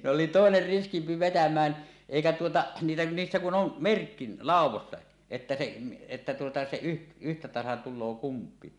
se oli toinen riskimpi vetämään eikä tuota niille niissä kun on merkki laudoista että se että tuota se - yhtä tasan tulee kumpiakin